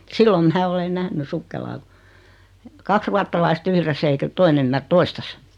silloin minä olen nähnyt sukkelaan kun kaksi ruotsalaista yhdessä eikä toinen ymmärrä toistansa